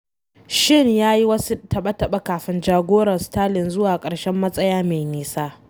Sane ya ɗan yi wasu taɓe-taɓe kafin jagorar Sterling zuwa ƙarshen matsaya mai nisa.